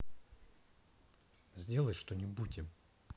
сделай что нибудь им